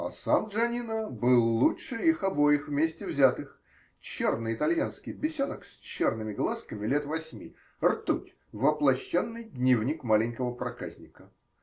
А сам Джаннино был лучше их обоих, вместе взятых: черный итальянский бесенок с черными глазками, лет восьми -- ртуть, воплощенный "Дневник маленького проказника".